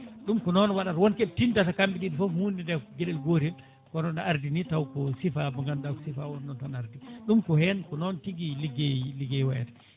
ɗum ko noon waɗata wonkoɓe tindata kamɓe ɗiɗo foof hundede ko gueɗel gotel kono no ardini tawko siifa mo ganduɗa koni tan ardi ɗum ko hen ko noon tigui ligguey ligguey wayata